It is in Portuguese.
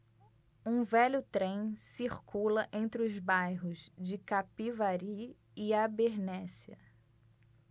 um velho trem circula entre os bairros de capivari e abernéssia